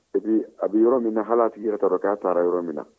epi an bɛ yɔrɔ min na hali a tigi yɛrɛ t'a dɔn k'a taara yɔrɔ min na